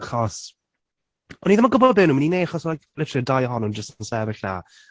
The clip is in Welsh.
Achos o'n i ddim yn gwybod be o'n nhw'n mynd i wneud achos like, literally y dau ohonyn nhw just yn sefyll 'na.